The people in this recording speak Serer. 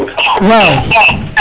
waw